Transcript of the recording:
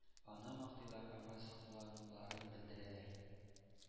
Аны мактыйлар, аңа соклануларын белдерәләр.